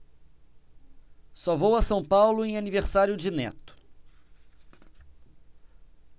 só vou a são paulo em aniversário de neto